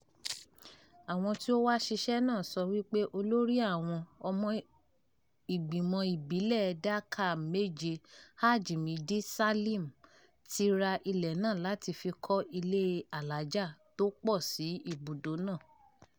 Àwọn tí ó wá ṣiṣẹ́ náà sọ wípé olóríi àwọn, ọmọ ìgbìmọ̀ ìbílẹ̀ (Dhaka-7) Haji Md. Salim, ti ra ilẹ̀ náà láti fi kọ́ ilé alájà tó pọ̀ sí ibùdó náà.